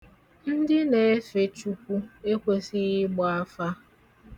Ndị na-efe Chukwu ekwesighị ịgba afa.